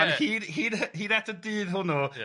...ond hyd hyd hyd at y dydd hwnnw... Ia